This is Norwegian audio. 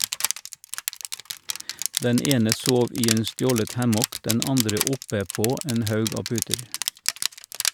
Den ene sov i en stjålet hammock, den andre oppe på en haug av puter.